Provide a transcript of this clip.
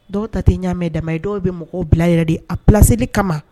Dɔw ta tɛ ɲaamɛ dama ye dɔw bɛ mɔgɔw bila yɛrɛ de a psseeli kama